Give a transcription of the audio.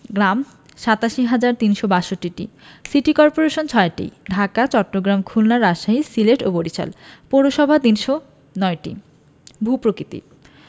গ্রাম ৮৭হাজার ৩৬২টি city corporation ৬টি ঢাকা চট্টগ্রাম খুলনা রাজশাহী সিলেট ও বরিশাল পৌরসভা ৩০৯টি ভূ প্রকৃতিঃ